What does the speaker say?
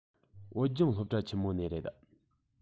བོད ལྗོངས སློབ གྲྭ ཆེན མོ ནས རེད